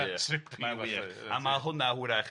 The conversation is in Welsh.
eitha trippy... Ma'n wir a ma' hwnna hwrach